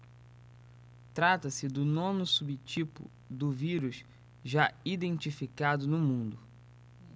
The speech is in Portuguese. trata-se do nono subtipo do vírus já identificado no mundo